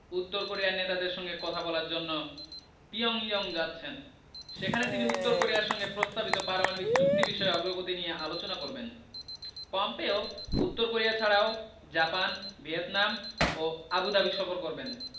উত্তর কোরিয়ার নেতাদের সঙ্গে কথা বলার জন্য পিয়ংইয়ং যাচ্ছেন সেখানে তিনি উত্তর কোরিয়ার সঙ্গে প্রস্তাবিত পারমাণবিক চুক্তি বিষয়ে অগ্রগতি নিয়ে আলোচনা করবেন পম্পেও উত্তর কোরিয়া ছাড়াও জাপান ভিয়েতনাম ও আবুধাবি সফর করবেন